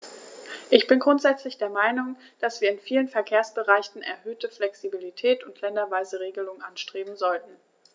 Ich bin grundsätzlich der Meinung, dass wir in vielen Verkehrsbereichen erhöhte Flexibilität und länderweise Regelungen anstreben sollten.